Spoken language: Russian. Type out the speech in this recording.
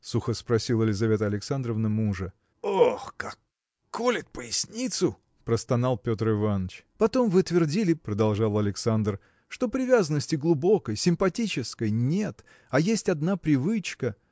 – сухо спросила Лизавета Александровна мужа. – Ох, как колет поясницу! – простонал Петр Иваныч. – Потом вы твердили – продолжал Александр – что привязанности глубокой симпатической нет а есть одна привычка.